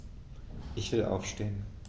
Ich will aufstehen.